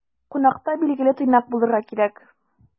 Кунакта, билгеле, тыйнак булырга кирәк.